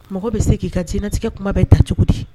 Mɔgɔ bɛ se k'i kainatigɛ kuma bɛ ta cogo di